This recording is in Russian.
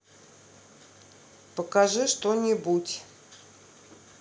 покажи что нибудь